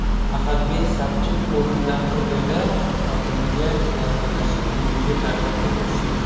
ahadbey sapchib o'rnidan turdi da xotiniga yaqinlashib yuziga tarsaki tushirdi